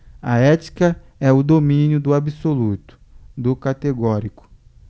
a ética é o domínio do absoluto do categórico